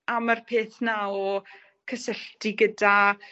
a ma'r peth 'na o cysylltu gyda ]